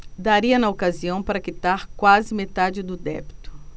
daria na ocasião para quitar quase metade do débito